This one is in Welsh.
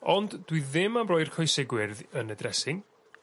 ond dwi ddim am roi'r coese gwyrd yn y dressing,